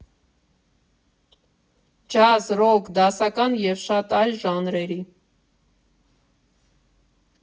Ջազ, ռոք, դասական և շատ այլ ժանրերի։